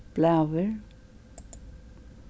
blæur